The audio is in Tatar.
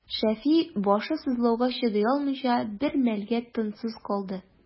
Шәфи, башы сызлауга чыдый алмыйча, бер мәлгә тынсыз калды.